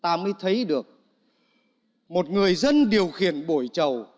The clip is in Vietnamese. ta mới thấy được một người dân điều khiển buổi chầu